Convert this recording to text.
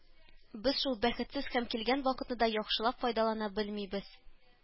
Без шул бәхетсез һәм килгән вакытны да яхшылап файдалана белмибез.